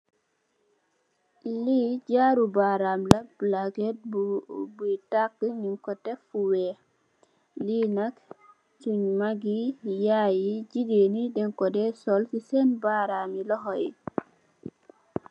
Li jaaru baram la palake boi taka nyun ko def fu weex li nak suun magi yayi jigeen yi deng ko dey sol sen barami loxo yi.